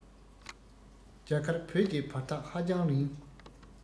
རྒྱ གར བོད ཀྱི བར ཐག ཧ ཅང རིང